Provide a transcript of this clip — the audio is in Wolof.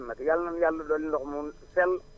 nag yal na nu yàlla dolli ndox mu sell